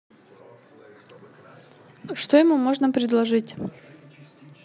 что ему можно предложить